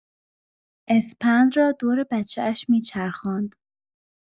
اسپند را دور بچه‌اش می‌چرخاند